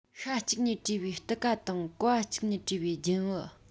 ཤ གཅིག ནས དྲས པའི སྟི ག དང ཀོ བ གཅིག ནས དྲས པའི རྒྱུན བུ